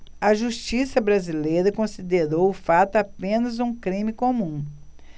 a justiça brasileira considerou o fato apenas um crime comum